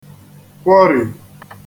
-kwọrì